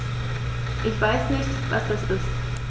Ich weiß nicht, was das ist.